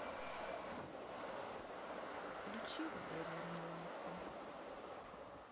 включи валерия меладзе